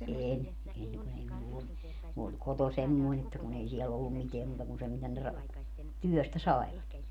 en en kun ei minulla ollut minun oli koto semmoinen että kun ei siellä ollut mitään muuta kuin se mitä ne - työstä saivat